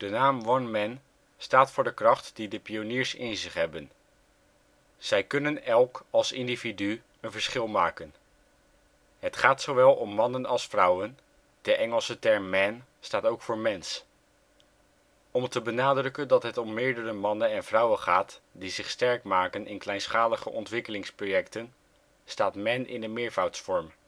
naam oneMen staat voor de kracht die de pioniers in zich hebben. Zij kunnen elk als individu een verschil maken. Het gaat zowel om mannen als vrouwen (de Engelse term ' man ' staat ook voor mens). Om te benadrukken dat het om meerdere mannen en vrouwen gaat die zich sterk maken in kleinschalige ontwikkelingsprojecten, staat ' man ' in de meervoudsvorm